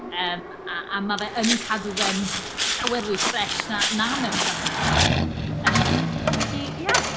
Yym a a ma' fe yn cadw fe'n f- llawer fwy ffres na na mewn plastig. Yym, felly ie!